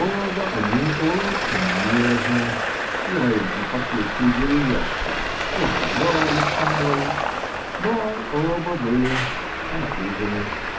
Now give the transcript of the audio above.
Оба они очень нежно (вероятно, по случаю деревяшки) поздоровались со мною, но оба были сконфужены.